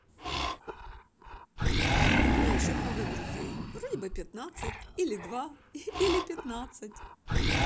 у меня еще много друзей вроде бы пятнадцать или два или пятнадцать